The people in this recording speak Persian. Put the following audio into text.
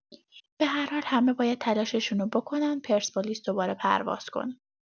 به‌هرحال همه باید تلاششونو بکنن پرسپولیس دوباره پرواز کنه.